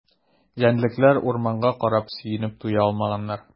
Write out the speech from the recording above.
Җәнлекләр урманга карап сөенеп туя алмаганнар.